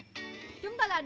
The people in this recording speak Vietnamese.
chúng tôi là